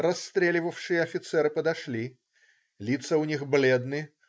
Расстреливавшие офицеры подошли. Лица у них - бледны.